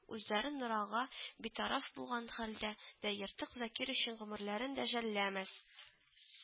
Үзләре норага битараф булган хәлдә дә ертык закир өчен гомерләрен дә жәлләмәс